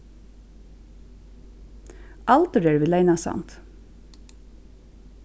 aldur eru við leynasand